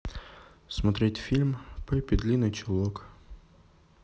смотреть фильм пеппи длинный чулок